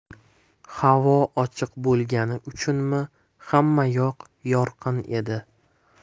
havo ochiq bo'lgani uchunmi xamma yoq yorqin edi